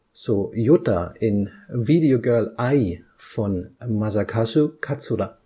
So Yota in Video Girl Ai von Masakazu Katsura